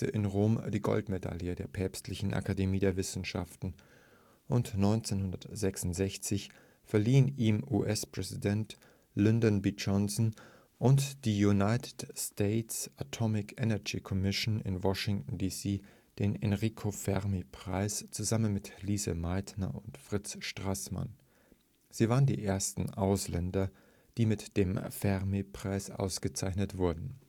in Rom die Goldmedaille der Päpstlichen Akademie der Wissenschaften, und 1966 verliehen ihm US-Präsident Lyndon B. Johnson und die United States Atomic Energy Commission in Washington, D.C. den Enrico-Fermi-Preis, zusammen mit Lise Meitner und Fritz Straßmann. Sie waren die ersten Ausländer, die mit dem Fermi-Preis ausgezeichnet wurden